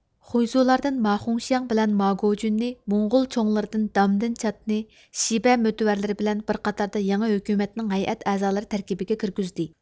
خۇيزۇلاردىن ماخۇڭشياڭ بىلەن ماگوجۈننى موڭغۇل چوڭلىرىدىن دامدىن چادنى شىبە مۆتىۋەرلىرى بىلەن بىر قاتاردا يېڭى ھۆكۈمەتنىڭ ھەيئەت ئەزالىرى تەركىبىگە كىرگۈزدى